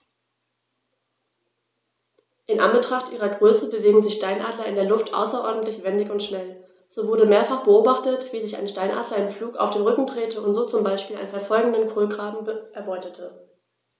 In Anbetracht ihrer Größe bewegen sich Steinadler in der Luft außerordentlich wendig und schnell, so wurde mehrfach beobachtet, wie sich ein Steinadler im Flug auf den Rücken drehte und so zum Beispiel einen verfolgenden Kolkraben erbeutete.